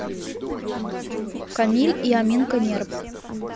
камиль и аминка нерп